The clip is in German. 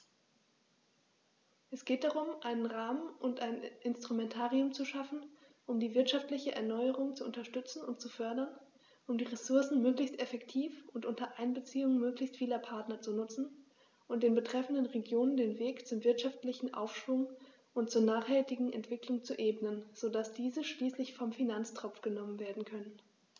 Es geht darum, einen Rahmen und ein Instrumentarium zu schaffen, um die wirtschaftliche Erneuerung zu unterstützen und zu fördern, um die Ressourcen möglichst effektiv und unter Einbeziehung möglichst vieler Partner zu nutzen und den betreffenden Regionen den Weg zum wirtschaftlichen Aufschwung und zur nachhaltigen Entwicklung zu ebnen, so dass diese schließlich vom Finanztropf genommen werden können.